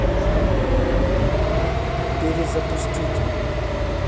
перезапустить